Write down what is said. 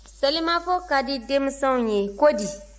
selimafo ka di denmisɛnw ye ko di